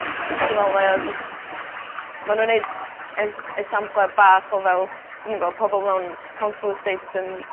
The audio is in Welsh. dwi me'wl mae o jyst ma' nw'n neud es- esiample bach o fewn dwi'm yn g'o' pobol mewn council estates yn